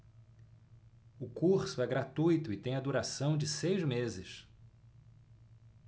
o curso é gratuito e tem a duração de seis meses